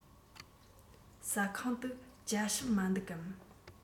ཟ ཁང དུ ཇ སྲུབས མ འདུག གམ